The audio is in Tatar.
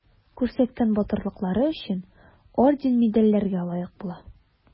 Күрсәткән батырлыклары өчен орден-медальләргә лаек була.